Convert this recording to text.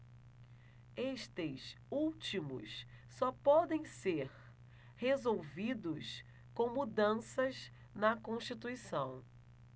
estes últimos só podem ser resolvidos com mudanças na constituição